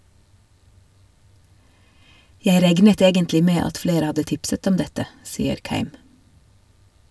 Jeg regnet egentlig med at flere hadde tipset om dette , sier Keim.